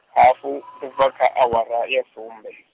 hafu, ubva kha awara ya sumbe.